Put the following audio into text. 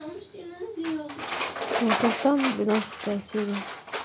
консультант двенадцатая серия